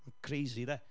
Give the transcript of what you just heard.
crazy, de.